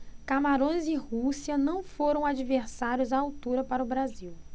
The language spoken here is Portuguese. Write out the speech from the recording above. camarões e rússia não foram adversários à altura para o brasil